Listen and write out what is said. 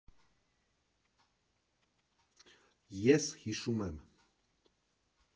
Ես հիշում եմ։